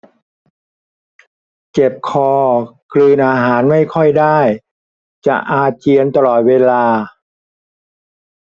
เจ็บคอกลืนอาหารไม่ค่อยได้จะอาเจียนตลอดเวลา